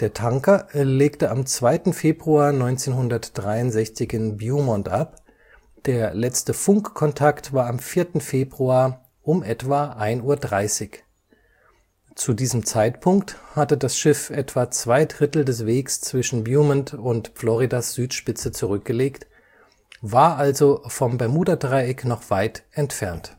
Tanker legte am 2. Februar 1963 in Beaumont ab, der letzte Funkkontakt war am 4. Februar um etwa 1:30 Uhr. Zu diesem Zeitpunkt hatte das Schiff etwa zwei Drittel des Wegs zwischen Beaumont und Floridas Südspitze zurückgelegt, war also vom Bermudadreieck noch weit entfernt